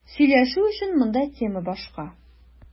Сөйләшү өчен монда тема башка.